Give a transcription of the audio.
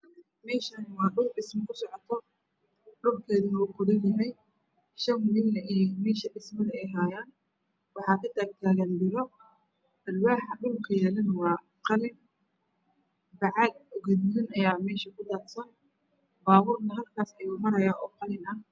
Meeshaani waa dhul dhismo ku socoto dhulkeeduna waa godan yahay shan wiilna meesha dhismada ay hayaan. Waxaa kataag taagan biro. alwaaxa dhulka yaalana waa qalin, bacaad gaduudan ayaa meesha kudaasan, baabuurna halkaas ayuu marahayaa oo qalin ah.